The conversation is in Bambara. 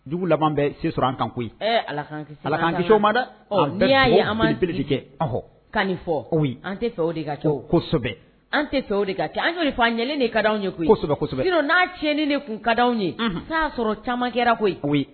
Dugu laban bɛ an tan koyiki cogo ma dɛ ne y'a ye an'an bilisi kɛ ka fɔ ko an tɛ fɛ de ka kosɛbɛ an tɛ to de ka kɛ an' ɲɛ de ka' ye koyisɛbɛ n'a tiɲɛnini de tun kun ka di anw ye n y'a sɔrɔ c caman kɛra ko koyi koyi